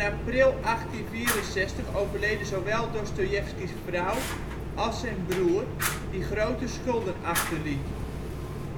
april 1864 overleden zowel Dostojevski 's vrouw als zijn broer, die grote schulden achterliet.